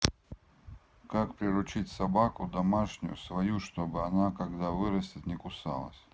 как приручить собаку домашнюю свою чтобы она когда вырастет не кусалась